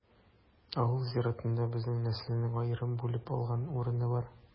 Авыл зиратында безнең нәселнең аерым бүлеп алган урыны бар.